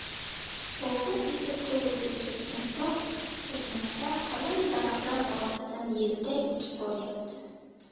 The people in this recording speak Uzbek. bobur esa to'g'riga ketgan tor so'qmoqdan qalin daraxtlar orasidan yelday uchib boryapti